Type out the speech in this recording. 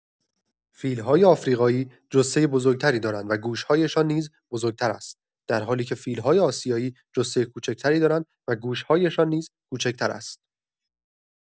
فیل‌های آفریقایی جثه بزرگ‌تری دارند و گوش‌هایشان نیز بزرگتر است، در حالی که فیل‌های آسیایی جثه کوچک‌تری دارند و گوش‌هایشان نیز کوچکتر است.